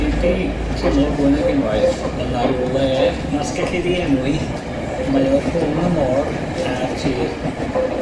Dwi 'di teimlo fwy nag unwaith ma' 'na ryw le na gellid ei enwi mae o rhwng y môr a'r tir